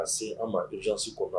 Ka se an ma don jansi kɔ kan